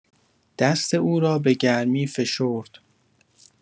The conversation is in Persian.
دست او را به گرمی فشرد.